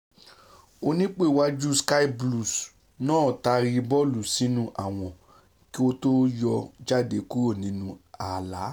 Onípò-iwáju Sky Blues náà taari bọ́ọ̀lú sínú àwọn kí ó to yọ́ jáde kuro nínú ààlà.